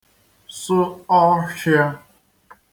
sụ ọ̄fhịā